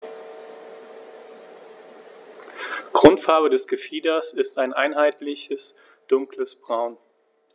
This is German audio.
Grundfarbe des Gefieders ist ein einheitliches dunkles Braun.